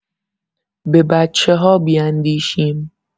به بچه‌ها بیندیشیم.